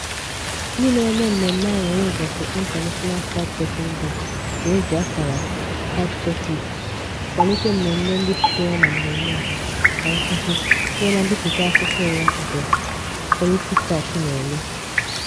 Ndị na-eme mmemme aṅurị ụbọchị International Fact-Checking Day na-eji akara #FactCheckIt kwalite mmemme ndị sitere na mmemme ọha na nkụzi ruo na mbipụta akụkọ ụgha nke PolitiFact na-eme.